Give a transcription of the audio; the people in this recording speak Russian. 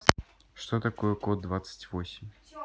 что такое код двадцать восемь